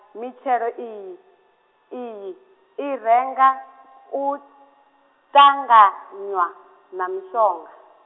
mitshelo iyi, iyi, i renga u, ṱanganywa, na mishonga.